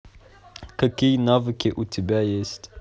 какие навыки у тебя есть